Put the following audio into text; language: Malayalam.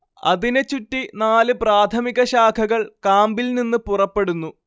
അതിനെ ചുറ്റി നാല് പ്രാഥമിക ശാഖകൾ കാമ്പിൽ നിന്ന് പുറപ്പെടുന്നു